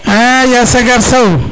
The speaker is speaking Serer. a Ya Sagar Sow